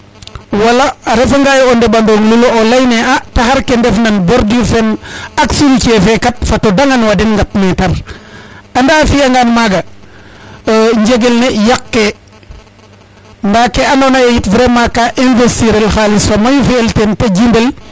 wala a refa nga ye o ndeɓanong lulo o leyne a taxar ke ndefna bordure fe axe routier kat fato dandan wa den ngap metre anda a fiya ngan maga njegel ne yaqe nda ke ando naye it vraiment ka investir el xalis fa mayu a fi el ten te jimbel